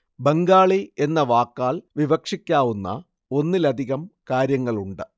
ബംഗാളി എന്ന വാക്കാൽ വിവക്ഷിക്കാവുന്ന ഒന്നിലധികം കാര്യങ്ങളുണ്ട്